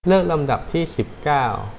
เลือกลำดับที่สิบเก้า